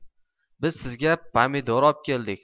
biz sizga pomildori olib keldik